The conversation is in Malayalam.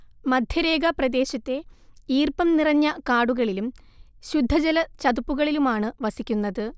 മധ്യരേഖാപ്രദേശത്തെ ഈർപ്പം നിറഞ്ഞ കാടുകളിലും ശുദ്ധജലചതുപ്പുകളിലുമാണ് വസിക്കുന്നത്